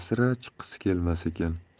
sira chiqqisi kelmas ekan